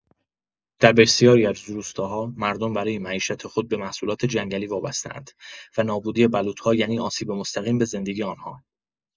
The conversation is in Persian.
در بسیاری از روستاها، مردم برای معیشت خود به محصولات جنگلی وابسته‌اند و نابودی بلوط‌ها یعنی آسیب مستقیم به زندگی آنها.